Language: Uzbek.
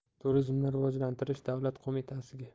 turizmni rivojlantirish davlat qo'mitasiga